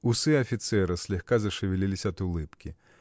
Усы офицера слегка зашевелились от улыбки.